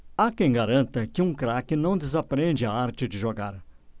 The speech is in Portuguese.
há quem garanta que um craque não desaprende a arte de jogar